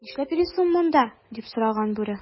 "нишләп йөрисең монда,” - дип сораган бүре.